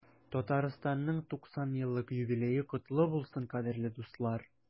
Татарстанның 90 еллык юбилее котлы булсын, кадерле дуслар!